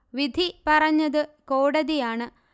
വിധി പറഞ്ഞത് കോടതിയാണ്